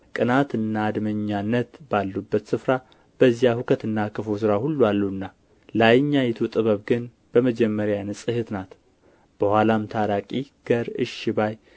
ቅንዓትና አድመኛነት ባሉበት ስፍራ በዚያ ሁከትና ክፉ ስራ ሁሉ አሉና ላይኛይቱ ጥበብ ግን በመጀመሪያ ንጽሕት ናት በኋላም ታራቂ ገር እሺ ባይ